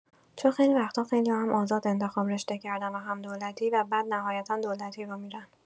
چون خیلی وقت‌ها خیلیا هم آزاد انتخاب رشته کردن و هم دولتی و بعد نهایتا دولتی رو می‌رن